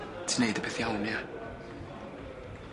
Ti neud y peth iawn ia?